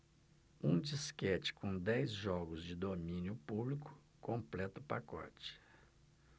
um disquete com dez jogos de domínio público completa o pacote